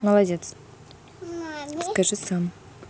скажи сам